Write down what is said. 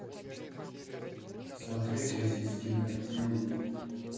смотреть российские детективы